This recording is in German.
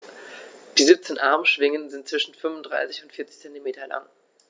Die 17 Armschwingen sind zwischen 35 und 40 cm lang.